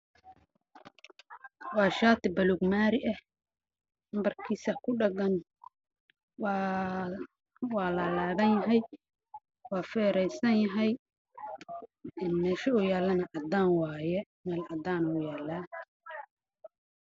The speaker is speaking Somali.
Waa shaati midabkiisii yahay madow dhulka waa caddaan